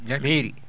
jam hiiri